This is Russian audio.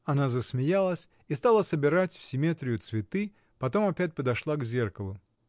Она засмеялась и стала собирать в симметрию цветы, потом опять подошла к зеркалу.